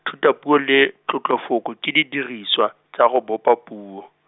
thutapuo le, tlotlofoko ke didirisiwa, tsa go bopa puo.